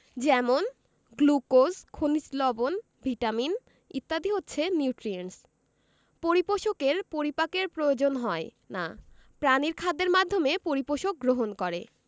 যেমন গ্লুকোজ খনিজ লবন ভিটামিন ইত্যাদি হচ্ছে নিউট্রিয়েন্টস পরিপোষকের পরিপাকের প্রয়োজন হয় না প্রাণীর খাদ্যের মাধ্যমে পরিপোষক গ্রহণ করে